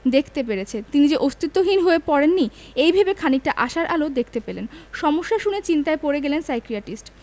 দেখতে পেরেছে তিনি যে অস্তিত্বহীন হয়ে পড়েননি এই ভেবে খানিকটা আশার আলো দেখতে পেলেন সমস্যা শুনে চিন্তায় পড়ে গেলেন সাইকিয়াট্রিস্ট